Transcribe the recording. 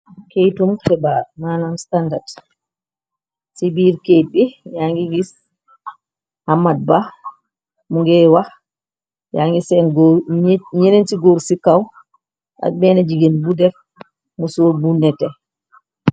Keytum xebaar manam standard ci biir kayt bi yaa ngi gis ammat bah mu ngay wax yaa ngi seen ñyeneenti goor ci kaw ak benn jigéen bu def musoor bu nete.